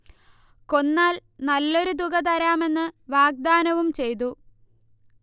കൊന്നാൽ നല്ലൊരു തുക തരാമെന്ന് വാഗ്ദാനവും ചെയ്തു